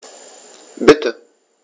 Bitte.